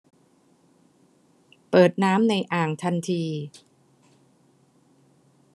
เปิดน้ำในอ่างทันที